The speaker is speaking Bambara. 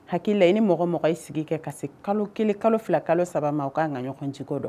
Hakili i ni mɔgɔ mɔgɔ ye sigi kɛ ka se kalo 1 kalo 2 kalo 3 ma aw ka kan ka ɲɔgɔn jogo dɔn